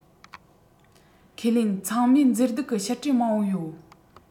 ཁས ལེན ཚང མས མཛེས སྡུག གི ཕྱིར དྲན མང པོ ཡོད